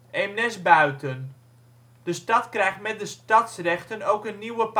Eemnes-Buiten: De stad krijgt met de stadsrechten ook een nieuwe